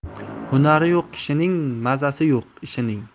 hunari yo'q kishining mazasi yo'q ishining